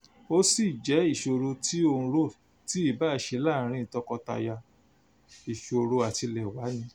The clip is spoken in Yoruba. Ó sì jẹ́ ìṣòro tí ó ń ro ti ìbáṣe láàárín tọkọtaya – ìṣòro àtilẹ̀wá ni.